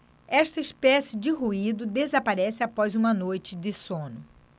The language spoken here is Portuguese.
esta espécie de ruído desaparece após uma noite de sono